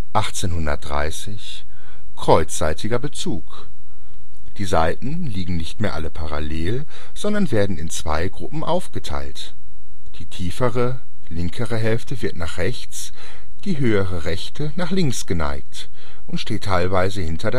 1830 – Kreuzsaitiger Bezug: Die Saiten liegen nicht mehr alle parallel, sondern werden in zwei Gruppen aufgeteilt: Die tiefere, linke Hälfte wird nach rechts, die höhere rechte nach links geneigt und steht teilweise hinter